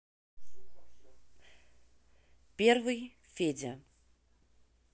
первый федя